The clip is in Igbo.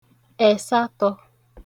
ẹ̀satọ̄